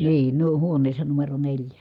niin huoneessa numero neljä